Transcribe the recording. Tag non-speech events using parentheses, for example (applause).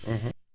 (hesitation) (hesitation)